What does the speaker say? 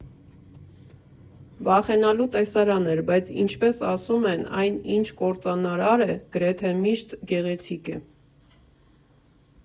Վախենալու տեսարան էր, բայց ինչպես ասում են՝ այն, ինչ կործանարար է, գրեթե միշտ գեղեցիկ է։